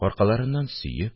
Аркаларыннан сөеп